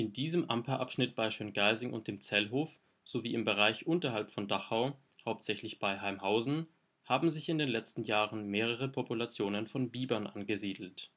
diesem Amperabschnitt bei Schöngeising und dem Zellhof sowie im Bereich unterhalb von Dachau, hauptsächlich bei Haimhausen, haben sich in den letzten Jahren mehrere Populationen von Bibern angesiedelt